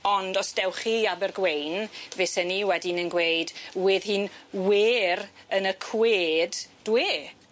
Ond os dewch chi i Abergweun fe sen ni wedyn yn gweud wedd 'i'n wêr yn y cwed dwe.